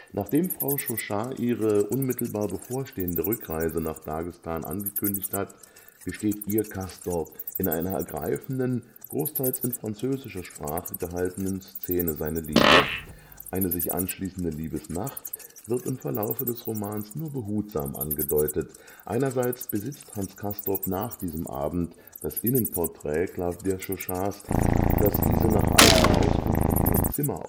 Nachdem Frau Chauchat ihre unmittelbar bevorstehende Rückreise nach Daghestan angekündigt hat, gesteht ihr Castorp in einer ergreifenden, großteils in französischer Sprache gehaltenen Szene seine Liebe. Eine sich anschließende Liebesnacht wird im Verlaufe des Romans nur behutsam angedeutet: Einerseits besitzt Hans Castorp nach diesem Abend das „ Innenportrait “Clawdia Chauchats, das diese nach eigener Auskunft in ihrem Zimmer